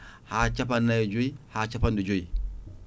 ha capannayyi e jooyi ha capanɗe joyyi